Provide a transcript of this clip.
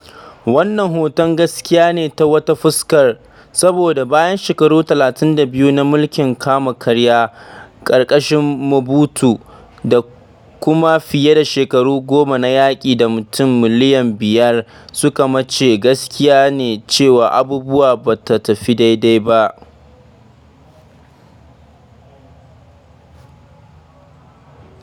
Wannan hoton gaskiya ne ta wata fuskar, saboda bayan shekaru 32 na mulkin kama-karya ƙarƙashin Mobutu, da kuma fiye da shekaru goma na yaƙi da mutum miliyan 5 suka mace, gaskiya ne cewa abubuwa ba sa tafiya daidai.